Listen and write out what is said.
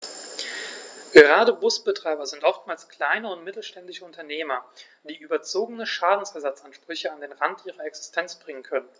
Gerade Busbetreiber sind oftmals kleine und mittelständische Unternehmer, die überzogene Schadensersatzansprüche an den Rand ihrer Existenz bringen können.